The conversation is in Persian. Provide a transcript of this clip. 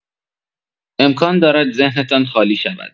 امکان دارد ذهنتان خالی شود.